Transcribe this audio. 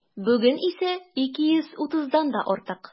Бүген исә 230-дан да артык.